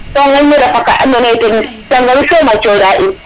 to ŋeñ ne refa ka ando naye ten cangaru soom a conda in